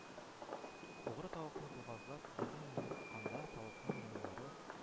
Угры тавыкны бугазлап, йонын йолыкканда тавыкның йоннары